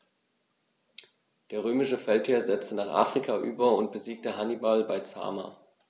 Der römische Feldherr setzte nach Afrika über und besiegte Hannibal bei Zama.